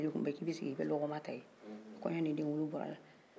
ni kɔɲɔ ni den kunliw bɔr'ala kɔɲɔ don dumuni tuma b'i sɔrɔ yen mɛnɛ